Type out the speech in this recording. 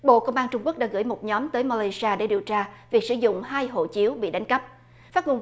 bộ công an trung quốc đã gửi một nhóm tới mời trà để điều tra việc sử dụng hai hộ chiếu bị đánh cắp phát ngôn